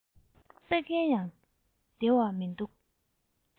ལྟ མཁན ལ ཡང བདེ བ མི འདུག